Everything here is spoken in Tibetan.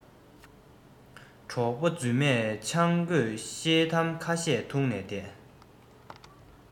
གྲོགས པོ རྫུན མས ཆང རྒོད ཤེལ དམ ཁ ཤས བཏུང ནས བསྡད